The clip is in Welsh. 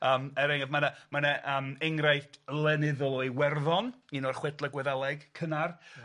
Yym er enghraifft ma' 'na ma' 'na yym enghraifft lenyddol o Iwerddon, un o'r chwedle Gwyddeleg cynnar